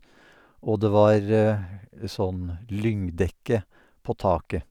Og det var sånn lyngdekke på taket.